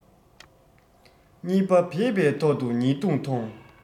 གཉིས པ བེས པའི ཐོག ཏུ ཉེས རྡུང ཐོང